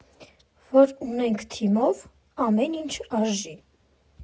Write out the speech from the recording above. Որ ունենք թիմով, ամեն ինչ արժի։